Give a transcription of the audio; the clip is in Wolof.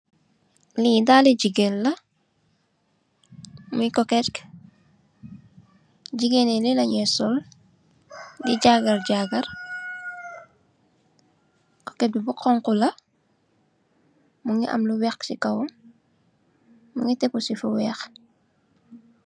Li daali jigéen la, mi koket. Jigéen yi li la nyo sol di jagar-jagar. Koket bi bu honku la mungi am lu weeh ci kawam, mungi tégu ci fu weeh.